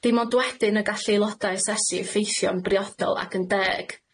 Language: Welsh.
Dim ond wedyn y gall aelodau asesu effeithio'n briodol ac yn deg.